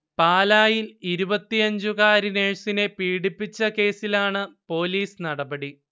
പാലായിൽ ഇരുപത്തഞ്ചുകാരി നഴ്സിനെ പീഡിപ്പിച്ച കേസിലാണ് പൊലീസ് നടപടി